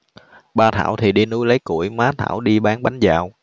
ba thảo thì đi núi lấy củi má thảo đi bán bánh dạo